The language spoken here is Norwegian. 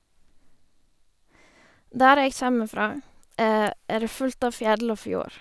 Der jeg kjeme fra er det fullt av fjell og fjord.